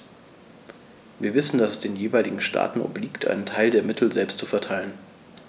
Wir wissen, dass es den jeweiligen Staaten obliegt, einen Teil der Mittel selbst zu verteilen.